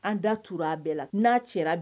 An datura a bɛɛ la n'a cɛ